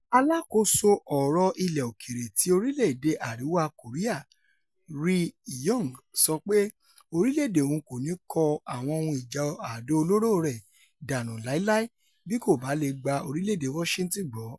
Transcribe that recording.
Aláàkóso Ọ̀rọ̀ Ilẹ̀ Òkèèrè ti orílẹ̀-èdè Àrìwá Kòríà Ri Yong sọ pé orílẹ̀-èdè òun kòni kó àwọn ohun ìjà àdó olóro rẹ̀ dánù láilái bí kòbá leè gba orílẹ̀-èdè Washingtọn gbọ́.